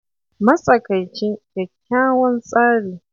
Matsakaicin kyakkyawan tsari.